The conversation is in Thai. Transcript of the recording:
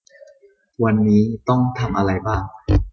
วันนี้ต้องทำอะไรบ้าง